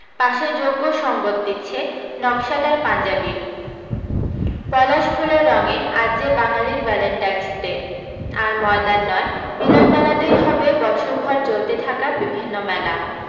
পাশে যোগ্য সঙ্গত দিচ্ছে নকশাদার পাঞ্জাবি পলাশ ফুলের রঙে আজ যে বাঙালির ভ্যালেন্টাইনস ডে আর ময়দান নয় মিলন মেলাতেই হবে বছরভর চলতে থাকা বিভিন্ন মেলা